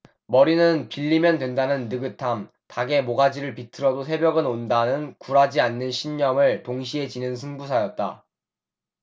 머리는 빌리면 된다는 느긋함 닭의 모가지를 비틀어도 새벽은 온다는 굴하지 않는 신념을 동시에 지닌 승부사였다